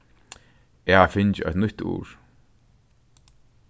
eg havi fingið eitt nýtt ur